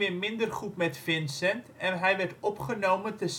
minder goed met Vincent en hij werd opgenomen te